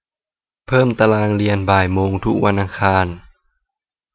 เพิ่มตารางเรียนบ่ายโมงทุกวันอังคาร